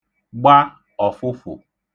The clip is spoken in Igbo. gba ọ̀fụfụ̀